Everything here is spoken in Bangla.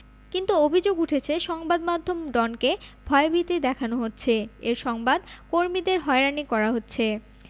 কিন্তু অভিযোগ উঠেছে সংবাদ মাধ্যম ডনকে ভয়ভীতি দেখানো হচ্ছে এর সংবাদ কর্মীদের হয়রানি করা হচ্ছে